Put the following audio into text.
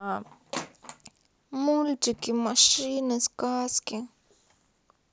мультики машины сказки